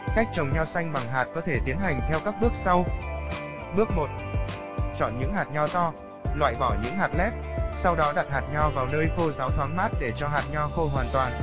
bước chọn những hạt nho to loại bỏ những hạt lép sau đó đặt hạt nho vào nơi khô ráo thoáng mát để cho hạt nho khô hoàn toàn